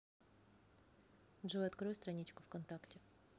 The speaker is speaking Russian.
джой открой страничку вконтакте